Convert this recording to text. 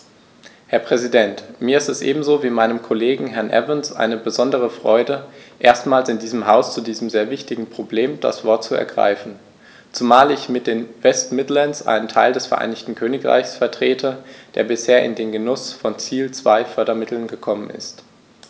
Herr Präsident, mir ist es ebenso wie meinem Kollegen Herrn Evans eine besondere Freude, erstmals in diesem Haus zu diesem sehr wichtigen Problem das Wort zu ergreifen, zumal ich mit den West Midlands einen Teil des Vereinigten Königreichs vertrete, der bisher in den Genuß von Ziel-2-Fördermitteln gekommen ist.